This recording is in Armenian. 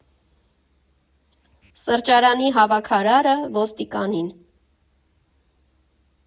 Սրճարանի հավաքարարը՝ ոստիկանին.